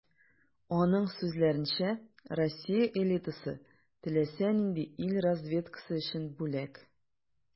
Аның сүзләренчә, Россия элитасы - теләсә нинди ил разведкасы өчен бүләк.